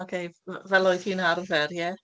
Ok. M- fel oedd hi'n arfer, ie?